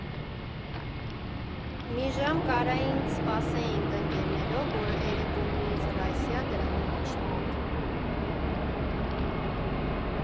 Մի ժամ կարայինք սպասեինք ընկերներով, որ Էրեբունիից «Ռասիա» դրանով իջնեինք։